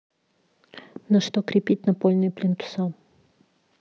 на что крепить напольные плинтуса